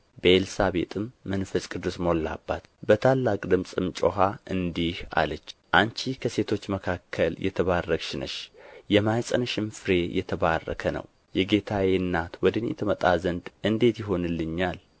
በኤልሳቤጥም መንፈስ ቅዱስ ሞላባት በታላቅ ድምፅም ጮኻ እንዲህ አለች አንቺ ከሴቶች መካከል የተባረክሽ ነሽ የማኅፀንሽም ፍሬ የተባረከ ነው የጌታዬ እናት ወደ እኔ ትመጣ ዘንድ እንዴት ይሆንልኛል